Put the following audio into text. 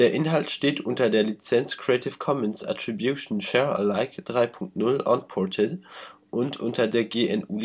Inhalt steht unter der Lizenz Creative Commons Attribution Share Alike 3 Punkt 0 Unported und unter der GNU